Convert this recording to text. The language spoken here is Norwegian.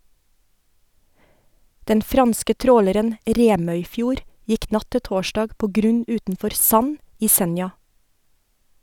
Den franske tråleren «Remøyfjord» gikk natt til torsdag på grunn utenfor Sand i Senja.